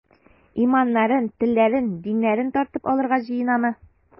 Иманнарын, телләрен, диннәрен тартып алырга җыенамы?